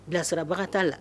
Bilasirarabaga t'a la